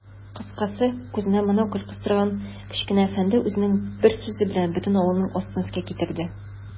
Кыскасы, күзенә монокль кыстырган кечкенә әфәнде үзенең бер сүзе белән бөтен авылның астын-өскә китерде.